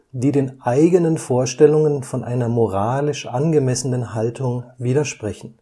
die den eigenen Vorstellungen von einer moralisch angemessenen Haltung widersprechen